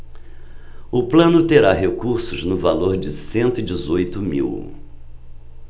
o plano terá recursos no valor de cento e dezoito mil